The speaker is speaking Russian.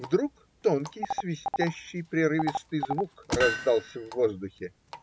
Вдруг тонкий, свистящий, прерывистый звук раздался в воздухе.